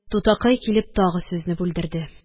Тутакай килеп тагы сүзне бүлдерде